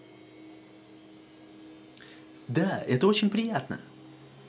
да это очень приятно